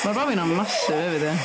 Ma'r babi'n 'na yn massive hefyd ia.